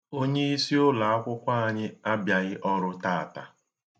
Onyeisi ụlaakwụkwọ anyị abịaghị ọrụ taata.